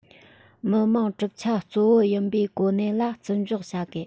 མི དམངས གྲུབ ཆ གཙོ བོ ཡིན པའི གོ གནས ལ བརྩི འཇོག བྱ དགོས